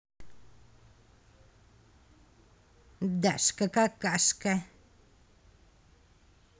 дашка какашка